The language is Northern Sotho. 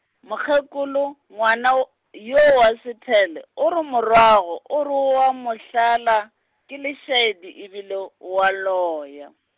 mokgekolo, ngwana yo wa Sethale o re morwago o re oa mo hlala, ke lešaedi e bile oa loya.